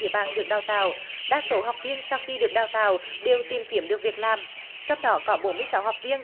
địa bàn được đào tạo đa số học viên sau khi được đào tạo đều tìm kiếm được việc làm trong đó có bốn mươi sáu học viên